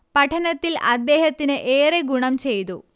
പഠനത്തിൽ അദ്ദേഹത്തിന് ഏറെ ഗുണം ചെയ്തു